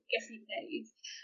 ...gellu neud.